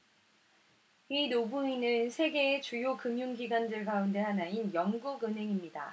이 노부인은 세계의 주요 금융 기관들 가운데 하나인 영국은행입니다